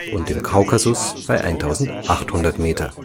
und im Kaukasus bei 1800 Meter